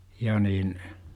ja niin